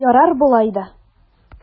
Ярар болай да!